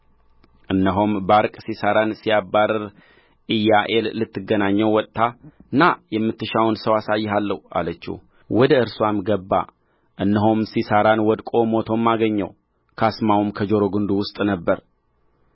እነሆም ባርቅ ሲሣራን ሲያባርር ኢያዔል ልትገናኘው ወጥታ ና የምትሻውንም ሰው አሳይሃለሁ አለችው ወደ እርስዋም ገባ እነሆም ሲሣራን ወድቆ ሞቶም አገኘው ካስማውም ከጆሮግንዱ ውስጥ ነበረ